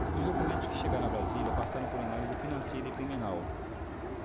os documentos que chegaram a brasília passam por análise financeira e criminal